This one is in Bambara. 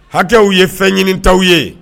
Hakɛw ye fɛn ɲinita ye